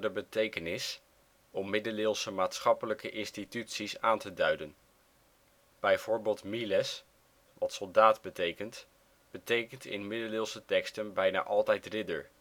betekenis om middeleeuwse maatschappelijke instituties aan te duiden. Bijvoorbeeld miles (soldaat) betekent in middeleeuwse teksten bijna altijd ridder